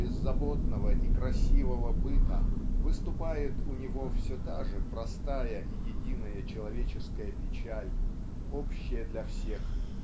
беззаботного и красивого быта выступает у него все та же простая и единая человеческая печаль общая для всех